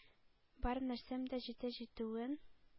Бар нәрсәм дә җитә җитүен,